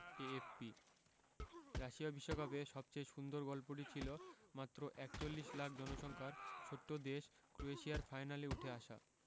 AFP Russia বিশ্বকাপে সবচেয়ে সুন্দর গল্পটি ছিল মাত্র ৪১ লাখ জনসংখ্যার ছোট্ট দেশ ক্রোয়েশিয়ার ফাইনালে উঠে আসা